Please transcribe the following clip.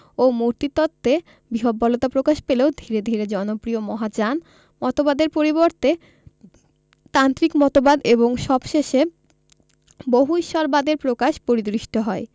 ও মূর্তিতত্ত্বে বিহ্বলতা প্রকাশ পেলেও ধীরে ধীরে জনপ্রিয় মহাযান মতবাদের পরিবর্তে তান্ত্রিক মতবাদ এবং সবশেষে বহু ঈশ্বরবাদের প্রকাশ পরিদৃষ্ট হয়